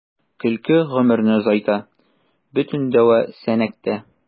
Көлке гомерне озайта — бөтен дәва “Сәнәк”тә.